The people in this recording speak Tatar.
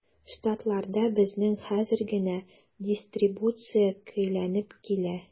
Штатларда безнең хәзер генә дистрибуция көйләнеп килә.